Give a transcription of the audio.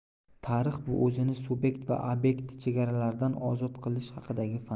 tarix bu o'zini sub'ekt va ob'ekt chegaralaridan ozod qilish haqidagi fan